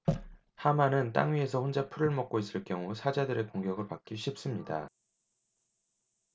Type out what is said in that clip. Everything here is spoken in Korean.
하마는 땅 위에서 혼자 풀을 먹고 있을 경우 사자들의 공격을 받기 쉽습니다